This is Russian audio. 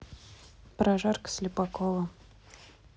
прожарка слепакова